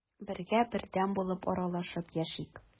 Бергә, бердәм булып аралашып яшик.